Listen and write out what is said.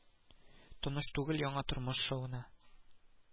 Таныш түгел яңа тормыш шавына